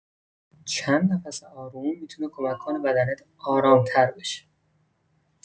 چند نفس آروم می‌تونه کمک کنه بدنت آرام‌تر بشه.